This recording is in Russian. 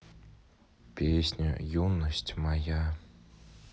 песня юность моя